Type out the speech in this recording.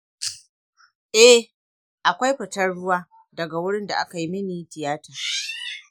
eh, akwai fitar ruwa daga wurin da aka yi min tiyata.